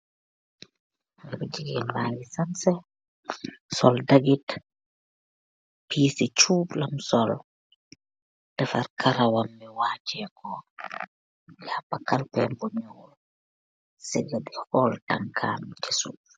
Haleh bu jigeen bangi sanseh. Sol dagit, pisi chub lam sol, defarr qaraawambi wacheko, jaapa kalpem bu nyool. Segga Di hol tankam bi si suff.